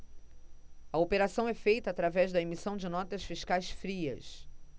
a operação é feita através da emissão de notas fiscais frias